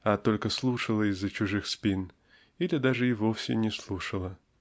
а только слушала из-за чужих спин или даже вовсе не слушала.